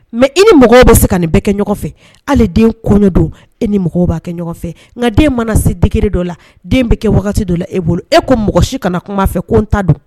Mɛ i ni mɔgɔ bɛ se ka nin bɛ kɛ ɲɔgɔn fɛ ale den don e ni mɔgɔw b'a kɛ ɲɔgɔn fɛ nka den mana se digiri dɔ la den bɛ kɛ wagati dɔ la e bolo e ko mɔgɔ si kana na kuma fɛ ko n ta don